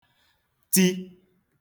ti